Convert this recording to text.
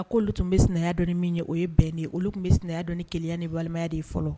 A ko olu tun bɛ na dɔn min ye o ye bɛnnen olu tun bɛya dɔn ni kelen ni walimaya de fɔlɔ